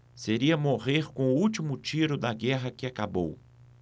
seria morrer com o último tiro da guerra que acabou